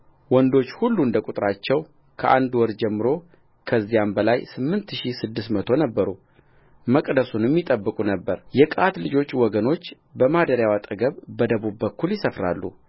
ወንዶች ሁሉ እንደ ቍጥራቸው ከአንድ ወር ጀምሮ ከዚያም በላይ ስምንት ሺህ ስድስት መቶ ነበሩ መቅደሱንም ይጠብቁ ነበርየቀዓት ልጆች ወገኖች በማደሪያው አጠገብ በደቡብ በኩል ይሰፍራሉ